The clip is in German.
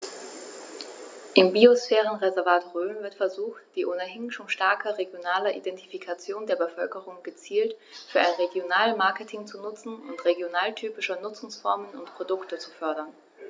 Im Biosphärenreservat Rhön wird versucht, die ohnehin schon starke regionale Identifikation der Bevölkerung gezielt für ein Regionalmarketing zu nutzen und regionaltypische Nutzungsformen und Produkte zu fördern.